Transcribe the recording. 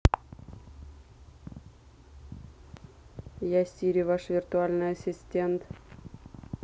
я сири ваш виртуальный ассистент